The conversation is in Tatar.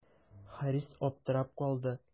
Харис аптырап калды.